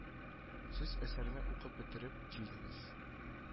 Сез әсәрне укып бетереп килдегез